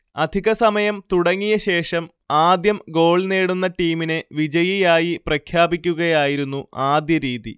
അധിക സമയം തുടങ്ങിയ ശേഷം ആദ്യം ഗോൾ നേടുന്ന ടീമിനെ വിജയിയായി പ്രഖ്യാപിക്കുകയായിരുന്നു ആദ്യ രീതി